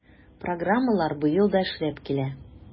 Программалар быел да эшләп килә.